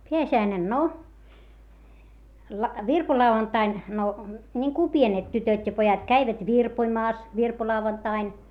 pääsiäinen no - virpolauantaina no niin kuin pienet tytöt ja pojat kävivät virpomassa virpolauantaina